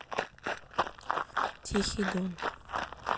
тихий дон